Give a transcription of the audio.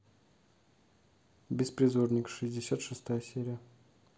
беспризорник шестьдесят шестая серия